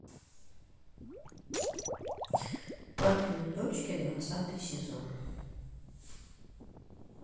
папины дочки двадцатый сезон